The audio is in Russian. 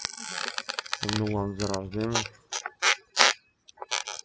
у миланы день рождения